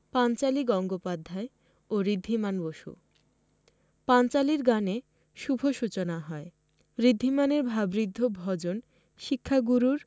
পাঞ্চালি গঙ্গোপাধ্যায় ও ঋদ্ধিমান বসু পাঞ্চালির গানে শুভ সূচনা হয় ঋদ্ধিমানের ভাবৃদ্ধ ভজন শিক্ষাগুরুর